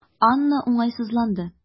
Анна уңайсызланды.